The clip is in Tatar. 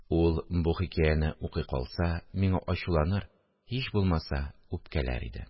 Ул бу хикәяне укый калса, миңа ачуланыр, һич булмаса, үпкәләр иде